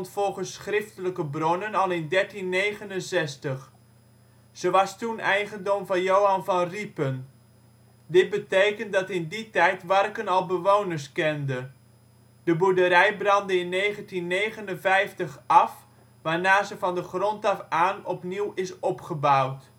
volgens schriftelijke bronnen al in 1369. Ze was toen eigendom van Johan van Ripen. Dit betekent dat in die tijd Warken al bewoners kende. De boerderij brandde in 1959 af waarna ze van de grond af aan opnieuw is opgebouwd